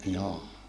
joo